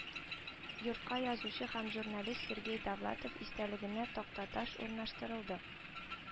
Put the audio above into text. Йортка язучы һәм журналист сергей довлатов истәлегенә тактаташ урнаштырылды